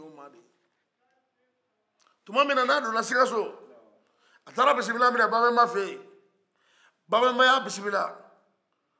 a taara bisimila minɛ cɛba fɛ ye cɛba ye a bisimila